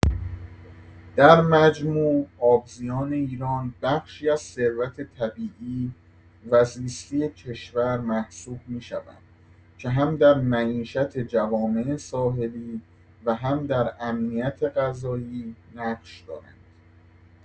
در مجموع، آبزیان ایران بخشی از ثروت طبیعی و زیستی کشور محسوب می‌شوند که هم در معیشت جوامع ساحلی و هم در امنیت غذایی نقش دارند.